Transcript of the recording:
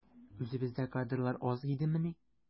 Үзебездә кадрлар аз идемени?